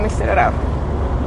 milltir yr awr.